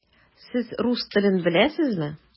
Сез рус телен беләсезме?